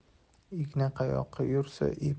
igna qayoqqa yursa ip